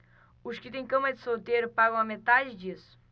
os que têm cama de solteiro pagam a metade disso